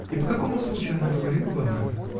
И по какому случаю она говорила вам это?